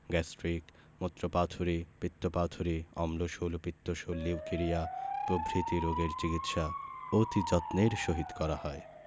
gastric মুত্রপাথড়ী পিত্তপাথড়ী অম্লশূল পিত্তশূল লিউকেরিয়া প্রভৃতি রোগের চিকিৎসা অতি যত্নের সহিত করা হয়